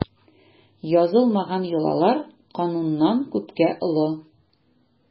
Язылмаган йолалар кануннан күпкә олы.